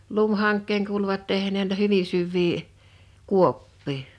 lumihankeen kuuluivat tehneen noita hyvin syviä kuoppia